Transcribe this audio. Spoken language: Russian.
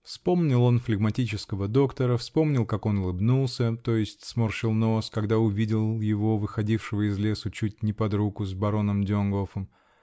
Вспомнил он флегматического доктора, вспомнил, как он улыбнулся -- то есть сморщил нос, когда увидел его выходившего из лесу чуть не под руку с бароном Донгофом.